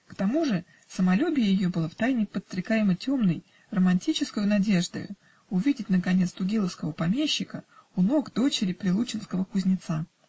К тому же самолюбие ее было втайне подстрекаемо темной, романическою надеждою увидеть наконец тугиловского помещика у ног дочери прилучинского кузнеца.